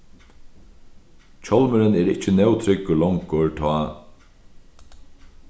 hjálmurin er ikki nóg tryggur longur tá